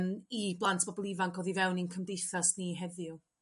yym i blant bobol ifanc oddi fewn ein cymdeithas ni heddiw.